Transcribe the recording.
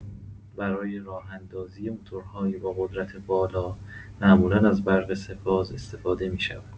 برای راه‌اندازی موتورهای با قدرت بالا، معمولا از برق سه‌فاز استفاده می‌شود.